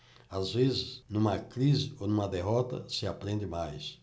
às vezes numa crise ou numa derrota se aprende mais